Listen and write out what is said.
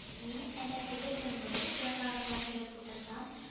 Мин әнә теге төнбоек яфрагына кереп утырсам